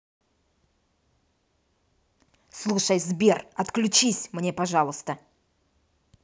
слушай сбер отключись мне пожалуйста